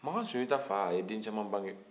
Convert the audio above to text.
makan sunjata fa a ye den caman bange